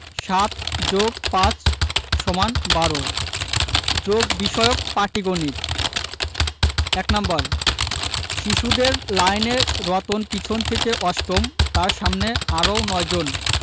৭+৫ = ১২ যোগ বিষয়ক পাটিগনিতঃ ১ নাম্বার শিশুদের লাইনে রতন পিছন থেকে অষ্টম তার সামনে আরও ৯ জন